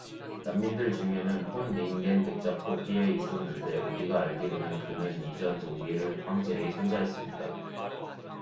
난민들 중에는 폰 링겐 백작도 끼여 있었는데 우리가 알기로는 그는 이전 독일 황제의 손자였습니다